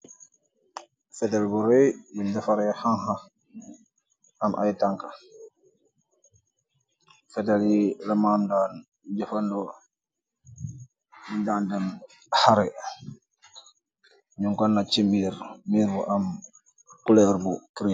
Fehtel bu rei bungh defareh hanha, am aiiy tanka, fehtel yii la mam daan jeufandoh sungh daan dem haareh, njung kor nach chi mirr, mirr bu am couleur bu cre.